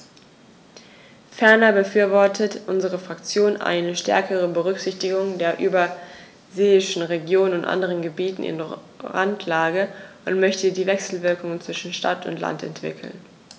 Ferner befürwortet unsere Fraktion eine stärkere Berücksichtigung der überseeischen Regionen und anderen Gebieten in Randlage und möchte die Wechselwirkungen zwischen Stadt und Land entwickeln.